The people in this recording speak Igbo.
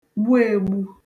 gbu ègbu